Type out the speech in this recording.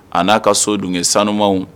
A n'a ka so dun sanuma